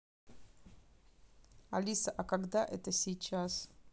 алиса а когда это сейчас